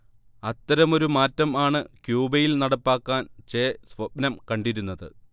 അത്തരമൊരു മാറ്റം ആണ് ക്യൂബയിൽ നടപ്പാക്കാൻ ചെ സ്വപ്നം കണ്ടിരുന്നത്